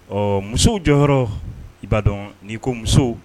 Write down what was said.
Ɔ musow jɔyɔrɔ i b'a dɔn n'i ko muso